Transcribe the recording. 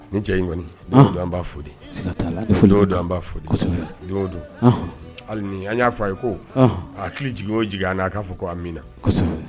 Ni cɛ in kɔni, ɔnhɔn, don o do an b'a fo de, sika t'a la, don o don an b'a fo de , kosɛbɛ, don o don, ɔnhoɔn, hali ni, an y'a fɔ a ye ko, ɔnhɔn, a hakili jigin o jigin an na ka fɔ ko amina, kosɛbɛn.